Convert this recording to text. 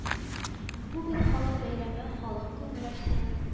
Бу бит халык бәйрәме халык күңел ачсын